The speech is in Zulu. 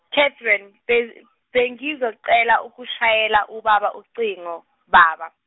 Catherine, be- bengizocela ukushayela ubaba ucingo, baba.